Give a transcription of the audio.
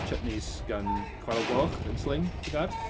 Chutneys gan Chwarael Goch yn Sling, Tregarth.